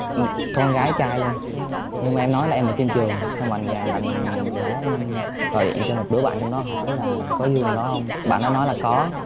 con gái trai luôn nhưng mà em nói là em ở trên trường sau bạn gái bạn gái em gọi điện cho một đứa bạn trong đó hỏi là có yêu thằng đó không bạn đó nói là có